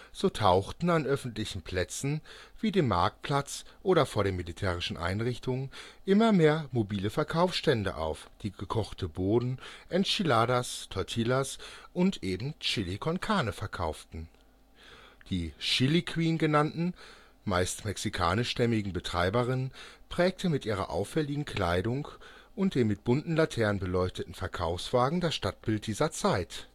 So tauchten an öffentlichen Plätzen, wie dem Marktplatz oder vor den militärischen Einrichtungen, immer mehr mobile Verkaufsstände auf, die gekochte Bohnen, Enchiladas, Tortillas und eben Chili con Carne verkauften. Die Chili Queen genannten, meist mexikanischstämmigen Betreiberinnen prägten mit ihrer auffälligen Kleidung und den mit bunten Laternen beleuchteten Verkaufswagen das Stadtbild dieser Zeit